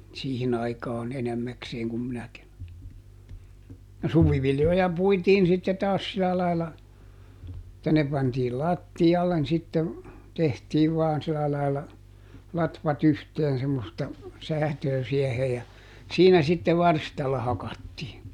no suviviljoja puitiin sitten taas sillä lailla että ne pantiin lattialle sitten tehtiin vain sillä lailla latvat yhteen semmoista säätöä siihen ja siinä sitten varstalla hakattiin